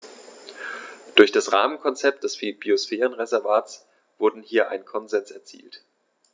Durch das Rahmenkonzept des Biosphärenreservates wurde hier ein Konsens erzielt.